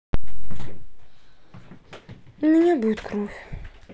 у меня будет кровь